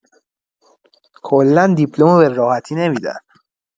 کلا دیپلم رو به راحتی نمی‌دن.